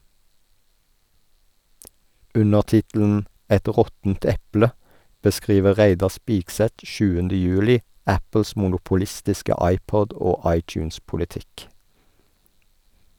Under tittelen "Et råttent eple" beskriver Reidar Spigseth 7. juli Apples monopolistiske iPod- og iTunes-politikk.